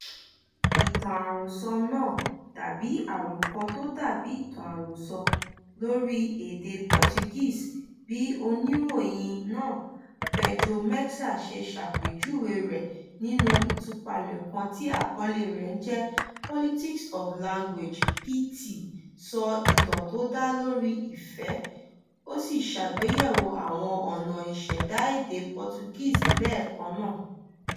Ìtàn àròsọ náà - tàbí "àrọko tó dàbí ìtàn àròsọ̀ lórí èdè Portuguese", bí Oníròyìn náà Pedro Mexia ṣe ṣàpèjúwe rẹ̀ nínú ìtúpalẹ̀ kan tí àkọlé rẹ ń jẹ́ Politics of Language [pt] - sọ ìtàn tó dá lórí ìfẹ́, ó sì ṣàgbéyẹ̀wò àwọn ọ̀nà ìṣẹ̀dá èdè Portuguese lẹ́ẹ̀kan náà.